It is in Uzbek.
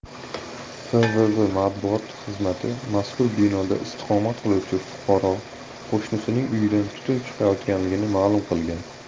fvv matbuot xizmatimazkur binoda istiqomat qiluvchi fuqaro qo'shnisining uyidan tutun chiqayotganligini ma'lum qilgan